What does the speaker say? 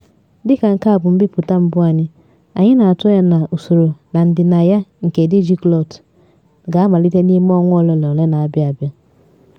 Dị ka nke a bụ mbipụta mbụ anyị, anyị na-atụ anya na usoro na ndịnaya nke 'DigiGlot' ga-amalite n'ime ọnwa ole na ole na-abịa abịa.